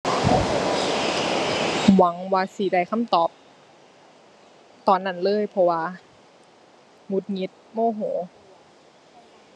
หวังว่าสิได้คำตอบตอนนั้นเลย เพราะว่า หงุดหงิด โมโห